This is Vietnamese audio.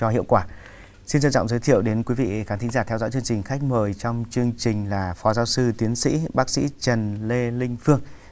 cho hiệu quả xin trân trọng giới thiệu đến quý vị khán thính giả theo dõi chương trình khách mời trong chương trình là phó giáo sư tiến sĩ bác sĩ trần lê linh phương